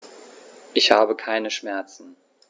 Ich habe keine Schmerzen.